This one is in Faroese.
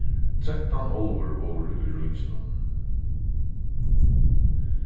trettan álvur vóru í ríkinum